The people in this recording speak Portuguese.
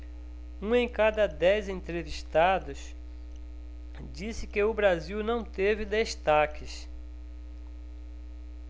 um em cada dez entrevistados disse que o brasil não teve destaques